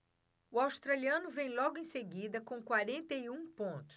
o australiano vem logo em seguida com quarenta e um pontos